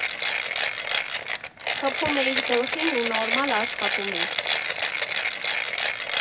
Խփում էիր գլխին ու նորմալ աշխատում էր։